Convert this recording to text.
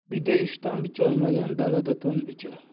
uyida ishton bicholmagan dalada to'n bichar